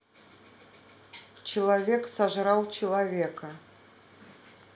человек сожрал человека